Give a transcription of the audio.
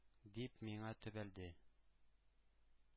— дип, миңа төбәлде.